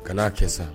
Ka'a kɛ sa